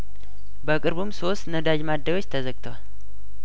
በቅርቡም ሶስት ነዳጅ ማደያዎች ተዘግተዋል